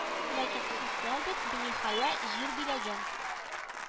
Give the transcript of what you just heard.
Ләкин эСэСэСэР бит биниһая җир биләгән